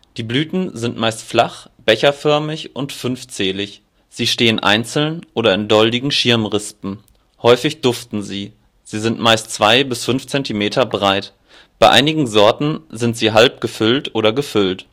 Die Blüten sind meist flach becherförmig und fünfzählig, sie stehen einzeln oder in doldigen Schirmrispen, häufig duften sie, sie sind meist 2 bis 5 cm breit. Bei einigen Sorten sind sie halbgefüllt oder gefüllt